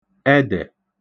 ẹdẹ̀